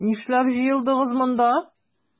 Нишләп җыелдыгыз монда?